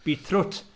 Beetroot.